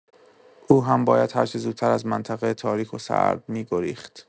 او هم باید هرچه زودتر از منطقه تاریک و سرد می‌گریخت.